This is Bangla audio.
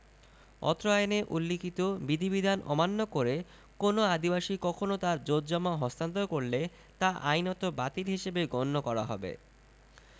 অত্র আইনে উল্লিখিত বিধিবিধান অমান্য করে কোন আদিবাসী কখনো তার জোতজমা হস্তান্তর করলে তা আইনত বাতিল হিসেবে গণ্য করা হবে